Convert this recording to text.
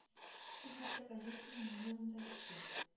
Ул хәтта газетаның номерын да әйтте